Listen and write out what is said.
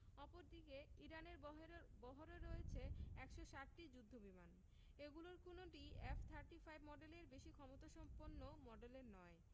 অপরদিকে ইরানের বহেরর বহরে রয়েছে ১৬০টি যুদ্ধবিমান এগুলোর কোনোটিই এফ থার্টি ফাইভ মডেলের বেশি ক্ষমতাসম্পন্ন মডেলের নয়